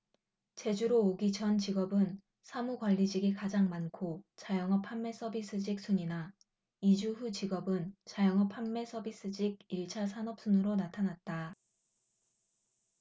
제주로 오기 전 직업은 사무 관리직이 가장 많고 자영업 판매 서비스직 순이나 이주 후 직업은 자영업 판매 서비스직 일 차 산업 순으로 나타났다